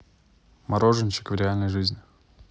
мороженщик в реальной жизни